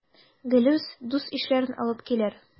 Гелүс дус-ишләрен алып килер.